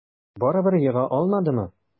Барыбер ега алмадымы?